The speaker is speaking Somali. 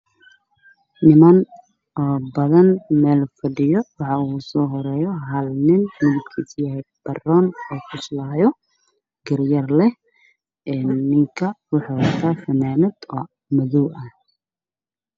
Waa niman aad u faro badan oo meel fadhiyo waxaa ugu soo horeeyo hal nin midabkiisu baroon yahay waxuu wataa fanaanad madow ah.